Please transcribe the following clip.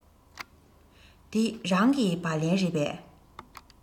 འདི རང གི སྦ ལན རེད པས